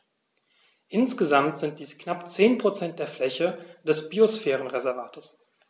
Insgesamt sind dies knapp 10 % der Fläche des Biosphärenreservates.